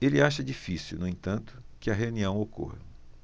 ele acha difícil no entanto que a reunião ocorra